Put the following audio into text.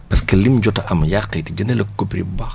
parce que lim jot a am yaa xayti jëndalee ko ko prix bu baax